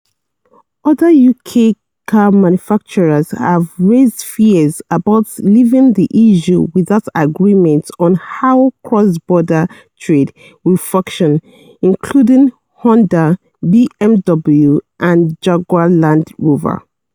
Other UK car manufacturers have raised fears about leaving the EU without agreement on how cross-border trade will function, including Honda, BMW and Jaguar Land Rover.